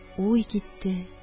Уй китте